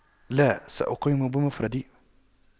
لا سأقيم بمفردي